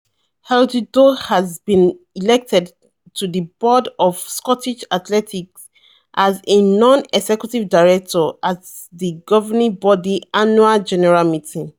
Eilidh Doyle has been elected to the board of Scottish Athletics as a non-executive director at the governing body's annual general meeting.